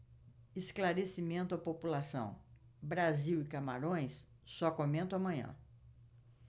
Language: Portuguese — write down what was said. esclarecimento à população brasil e camarões só comento amanhã